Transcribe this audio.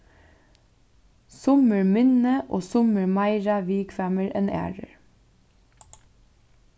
summir minni og summir meira viðkvæmir enn aðrir